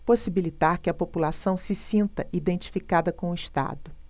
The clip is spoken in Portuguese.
possibilitar que a população se sinta identificada com o estado